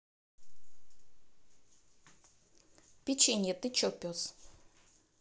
печенье ты че пес